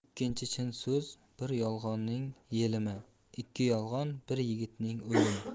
ikki chin so'z bir yolg'onning yelimi ikki yolg'on bir yigitning o'limi